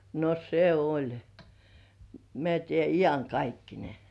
no se oli mene tiedä iankaikkinen